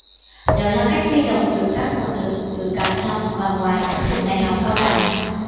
đó là cách huy động được các nguồn lực từ cả trong và ngoài các trường đại học cao đẳng